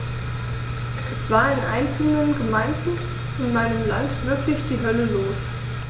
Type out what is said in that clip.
Es war in einzelnen Gemeinden in meinem Land wirklich die Hölle los.